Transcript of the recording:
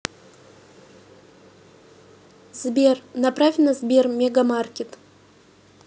сбер направь на сбер мегамаркет